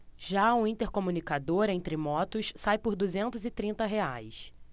já o intercomunicador entre motos sai por duzentos e trinta reais